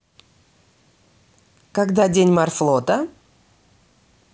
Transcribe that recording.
когда день морфлота